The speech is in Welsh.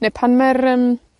ne' pan mae'r yym,